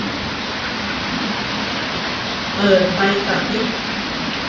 เปิดไฟกระพริบ